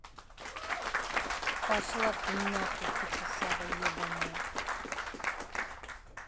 пошел ты нахуй петушара ебаная